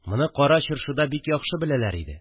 Моны Кара Чыршыда бик яхшы беләләр иде